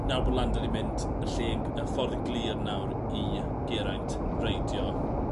nawr bo' Landa 'di mynd y lle yn g- y ffordd i glir nawr i Geraint reidio